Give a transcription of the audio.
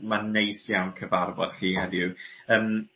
...ma'n neis iawn cyfarfod chi heddiw yym